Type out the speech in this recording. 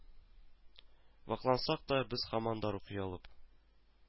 Ваклансак та, без һаман да рухи Алып: